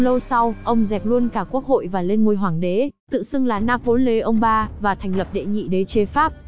không lâu sau ông dẹp luôn cả quốc hội và lên ngôi hoàng đế tự xưng là napoleon iii và thành lập đệ nhị đế chế pháp